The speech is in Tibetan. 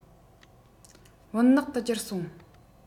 བུན ནག ཏུ གྱུར སོང